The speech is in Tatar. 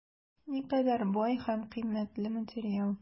Никадәр бай һәм кыйммәтле материал!